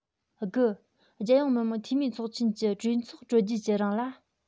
དགུ རྒྱལ ཡོངས མི དམངས འཐུས མིའི ཚོགས ཆེན གྱི གྲོས ཚོགས གྲོལ རྗེས ཀྱི རིང ལ